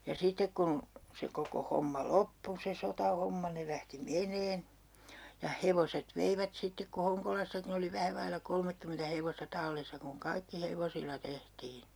ja sitten kun se koko homma loppui se sotahomma ne lähti menemään ja hevoset veivät sitten kun Honkolassakin oli vähän vailla kolmekymmentä hevosta tallissa kun kaikki hevosilla tehtiin